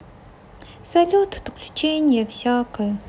салют отключение всякое